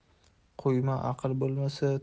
quyma aql bo'lmasa